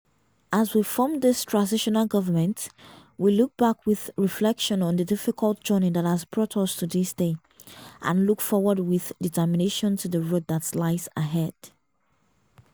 As we form this transitional government, we look back with reflection on the difficult journey that has brought us to this day, and look forward with determination to the road that lies ahead.